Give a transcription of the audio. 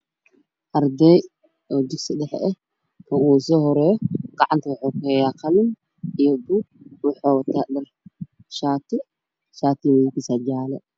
Meeshan waxaa ka muuqda afar wiil saddex shaar jaal ayay qabaan halna fanaanad caddaan iyo guduud ah waxa ayna joogaan iskuulka